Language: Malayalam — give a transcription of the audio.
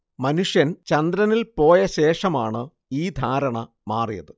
മനുഷ്യൻ ചന്ദ്രനിൽ പോയ ശേഷമാണ് ഈ ധാരണ മാറിയത്